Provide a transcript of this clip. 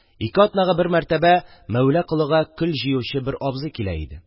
Ике атнага бер мәртәбә Мәүлә Колыга көл җыючы бер абзый килә иде.